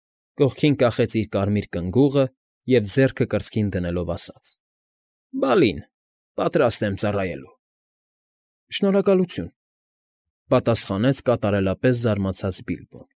Կողքին կախեց իր կարմիր կնգուղը և, ձեռքը կրծքին դնելով, ասաց. ֊ Բալին, պատրաստ ձեզ ծառայելու։ ֊ Շնորհակալություն, ֊ պատասխանեց կատարելապես զարմացած Բիլբոն։